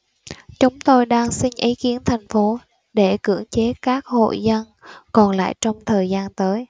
chúng tôi đang xin ý kiến thành phố để cưỡng chế các hộ dân còn lại trong thời gian tới